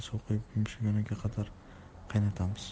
suv quyib yumshaguniga qadar qaynatamiz